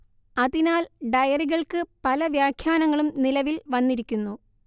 അതിനാൽ ഡയറികൾക്ക് പല വ്യാഖ്യാനങ്ങളും നിലവിൽ വന്നിരിക്കുന്നു